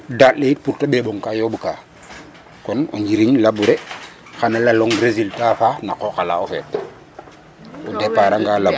Daaƭ le yit pour ta ɓeeɓongŋ ka yooɓka kon o njiriñ labourer xan a lalong résultat na qooq ala wo' o fet o dèpart anga labourer